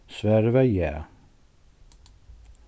svarið var ja